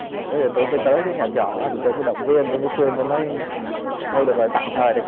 ấy là tôi mới tới cái nhà trọ thì tôi mới động viên tôi mới khuyên tôi nói thôi được rồi tạm thời thì